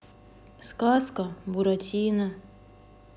сказка буратино